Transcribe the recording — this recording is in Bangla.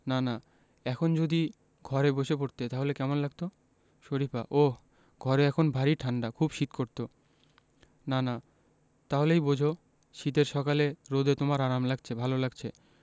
নানা এখন যদি ঘরে বসে পড়তে তাহলে কেমন লাগত শরিফা ওহ ঘরে এখন ভারি ঠাণ্ডা খুব শীত করত নানা তা হলেই বোঝ শীতের সকালে রোদে তোমার আরাম লাগছে ভালো লাগছে